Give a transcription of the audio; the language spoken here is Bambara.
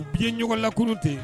U'i ye ɲɔgɔn lakulu ten yen